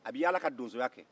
a bɛ yaala ka donsoya kɛ